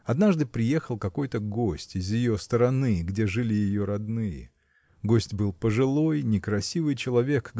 Однажды приехал какой-то гость из ее стороны, где жили ее родные. Гость был пожилой некрасивый человек